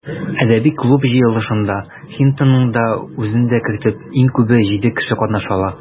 Әдәби клуб җыелышында, Хинтонның үзен дә кертеп, иң күбе җиде кеше катнаша ала.